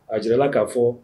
A jira la ka fɔ